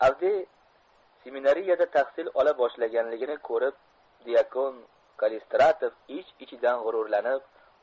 avdiy seminariyada tahsil ola boshlaganligini ko'rib dyakon kallistratov ich ichidan g'ururlanib